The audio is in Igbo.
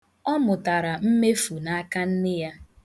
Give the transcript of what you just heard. Ọ mụtara mmefu n'aka nne ya.